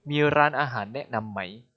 มีร้านอาหารแนะนำไหม